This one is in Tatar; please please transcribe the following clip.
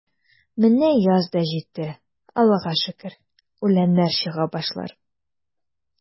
Менә яз да житте, Аллага шөкер, үләннәр чыга башлар.